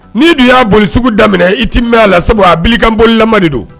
N'i dun y'a boli sugu daminɛ i ti mɛ a la sabu a bilikanbolilama de don